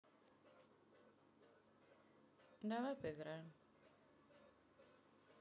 давай поиграем